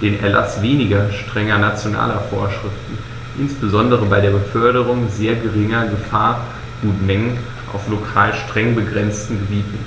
den Erlaß weniger strenger nationaler Vorschriften, insbesondere bei der Beförderung sehr geringer Gefahrgutmengen auf lokal streng begrenzten Gebieten.